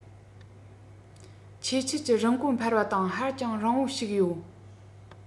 ཆེས ཆེར ཀྱི རིན གོང འཕར བ དང ཧ ཅང རིང པོ ཞིག ཡོད